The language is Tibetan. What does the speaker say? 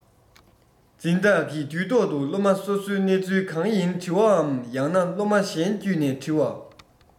འཛིན བདག གིས དུས ཐོག ཏུ སློབ མ སོ སོའི གནས ཚུལ གང ཡིན དྲི བའམ ཡང ན སློབ མ གཞན བརྒྱུད ནས དྲི བ